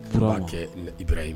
T' kɛ bɛ yen ma